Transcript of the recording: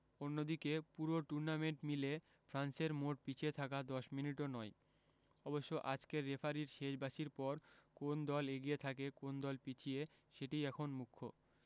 অন্যদিকে পুরো টুর্নামেন্ট মিলে ফ্রান্সের মোট পিছিয়ে থাকা ১০ মিনিটও নয় অবশ্য আজকের রেফারির শেষ বাঁশির পর কোন দল এগিয়ে থাকে কোন দল পিছিয়ে সেটিই এখন মুখ্য